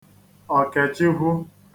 Ọ̀kẹ̀chikwu